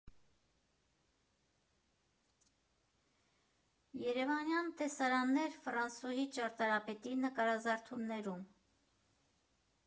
Երևանյան տեսարաններ՝ ֆրանսուհի ճարտարապետի նկարազարդումներում։